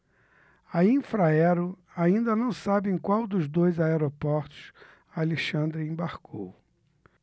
a infraero ainda não sabe em qual dos dois aeroportos alexandre embarcou